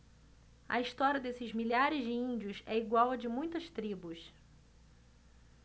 a história desses milhares de índios é igual à de muitas tribos